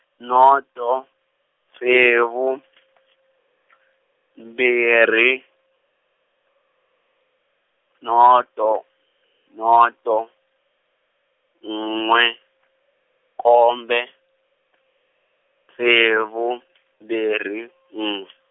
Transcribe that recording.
noto, ntsevu , mbirhi, noto, noto, n'we , kombe, ntsevu , mbirhi, n'we.